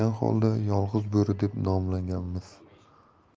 'yolg'iz bo'ri' deb nomlaganmiz